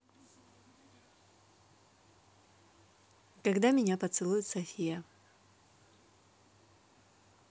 когда меня поцелует софия